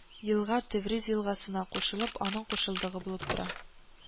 Елга Тевриз елгасына кушылып, аның кушылдыгы булып тора